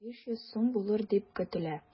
500 сум булыр дип көтелә.